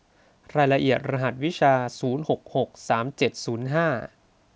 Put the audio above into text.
รายละเอียดรหัสวิชาศูนย์หกหกสามเจ็ดศูนย์ห้า